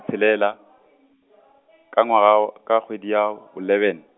tshelela, ka ngwaga w-, ka kgwedi ya, bo -leven.